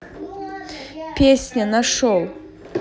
песня нашел